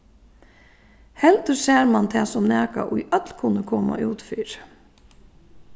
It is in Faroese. heldur sær mann tað sum nakað ið øll kunnu koma út fyri